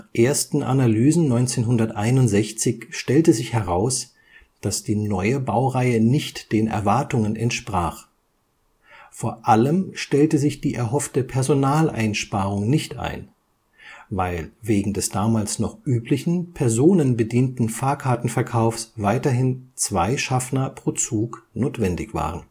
ersten Analysen 1961 stellte sich heraus, dass die neue Baureihe nicht den Erwartungen entsprach. Vor allem stellte sich die erhoffte Personaleinsparung nicht ein, weil wegen des damals noch üblichen personenbedienten Fahrkartenverkaufs weiterhin zwei Schaffner pro Zug notwendig waren